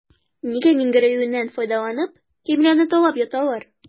Нигә миңгерәюеннән файдаланып, Камиләне талап ята алар?